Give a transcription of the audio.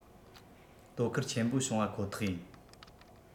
དོ ཁུར ཆེན པོ བྱུང བ ཁོ ཐག ཡིན